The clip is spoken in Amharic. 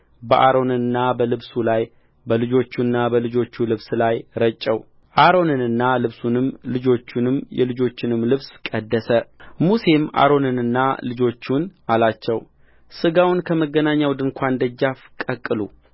በአሮንና በልብሱ ላይ በልጆቹና በልጆቹ ልብስ ላይ ረጨው አሮንንና ልብሱንም ልጆቹንም የልጆቹንም ልብስ ቀደሰሙሴም አሮንንና ልጆቹን አላቸው ሥጋውን በመገናኛው ድንኳን ደጃፍ ቀቅሉ